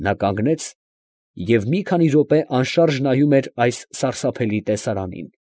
Նա կանգնեց և մի քանի րոպե անշարժ նայում էր այս սարսափելի տեսարանին։